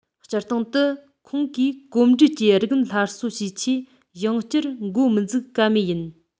སྤྱིར བཏང དུ ཁོང གིས གོམས འདྲིས ཀྱི རིག ལམ སླར གསོ བྱེད ཆེད ཡང བསྐྱར འགོ མི འཛུགས ག མེད ཡིན